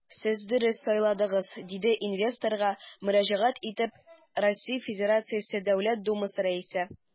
Сез дөрес сайлагансыз, - диде инвесторга мөрәҗәгать итеп РФ Дәүләт Думасы Рәисе.